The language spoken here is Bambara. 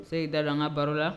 Se' da an ka baro la